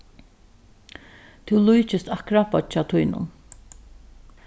tú líkist akkurát beiggja tínum